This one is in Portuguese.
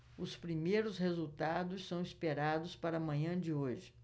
os primeiros resultados são esperados para a manhã de hoje